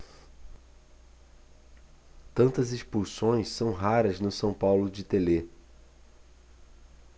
tantas expulsões são raras no são paulo de telê